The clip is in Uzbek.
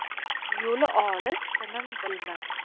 yo'li olis tinim bilmas